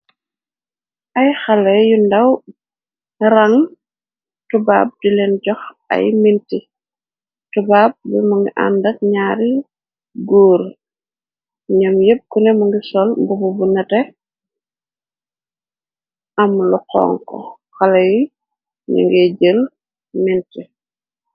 Ay xalé yu ndaw rang tubaab di leen jox ay minti tubaab bi mu ngi àndak ñaari góor ñam yépb kune mu ngi sol bubu bu nate am lu xonko xalé yi ñu ngiy jël minti.